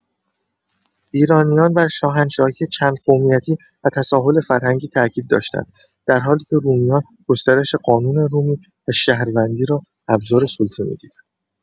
ایرانیان بر شاهنشاهی چندقومیتی و تساهل فرهنگی تأکید داشتند، در حالی که رومیان گسترش قانون رومی و شهروندی را ابزار سلطه می‌دیدند.